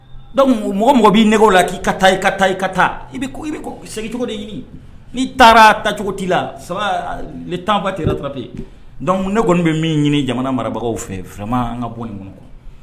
Donc mɔgɔ mɔgɔ bi nɛgɛn o la ki ka taa i ka taa i taa i bi segin cogo de ɲini. Ni taara taa cogo ti la le temps va te rattraper. Donc ne kɔni bi min ɲini jamana marabagaw fɛ vraiment an ka bɔ nin kɔnɔ